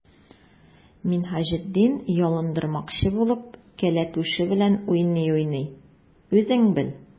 Минһаҗетдин, ялындырмакчы булып, кәләпүше белән уйный-уйный:— Үзең бел!